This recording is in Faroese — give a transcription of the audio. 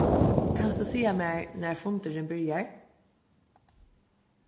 kanst tú siga mær nær fundurin byrjar